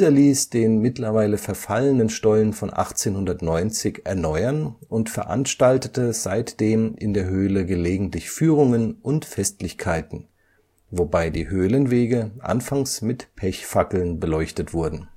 ließ den mittlerweile verfallenen Stollen von 1890 erneuern und veranstaltete seitdem in der Höhle gelegentlich Führungen und Festlichkeiten, wobei die Höhlenwege anfangs mit Pechfackeln beleuchtet wurden